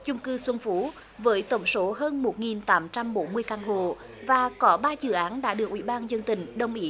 chung cư xuân phú với tổng số hơn một nghìn tám trăm bốn mươi căn hộ và có ba dự án đã được ủy ban dân tỉnh đồng ý